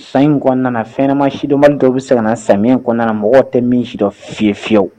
San in kɔnɔna fɛnma sidɔnba dɔw bɛ se ka na sa in kɔnɔna na mɔgɔ tɛ min sidɔn fi fiyeyaw